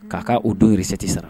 K'a ka o donriti sara